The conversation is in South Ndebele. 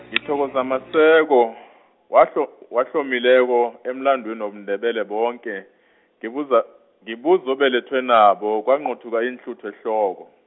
ngithokozamakeso, wahlo- wahlomileko emlandweni wobuNdebele bonke, ngibuza, ngibuzobelethwa nabo kwanqothuka iinhluthu ehloko.